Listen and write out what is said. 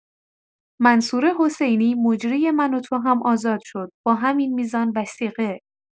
منصوره حسینی مجری من و تو هم آزاد شد، با همین میزان وثیقه!